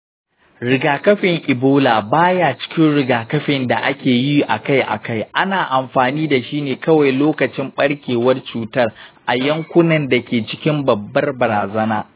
rigakafin ebola ba ya cikin rigakafin da ake yi a kai a kai. ana amfani da shi ne kawai lokacin ɓarkewar cutar a yankunan da ke cikin babbar barazana.